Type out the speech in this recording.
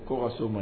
Ko ka so ma